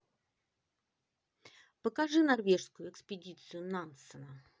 покажи норвежскую экспедицию нансена